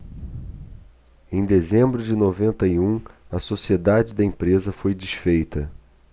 em dezembro de noventa e um a sociedade da empresa foi desfeita